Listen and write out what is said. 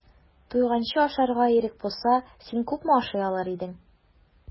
Туйганчы ашарга ирек булса, син күпме ашый алыр идең?